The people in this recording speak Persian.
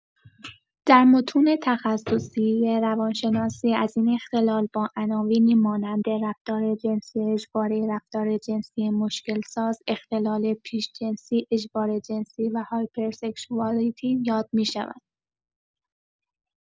در متون تخصصی روان‌شناسی، از این اختلال با عناوینی مانند رفتار جنسی اجباری، رفتار جنسی مشکل‌ساز، اختلال بیش‌جنسی، اجبار جنسی و هایپرسکشوالیتی یاد می‌شود.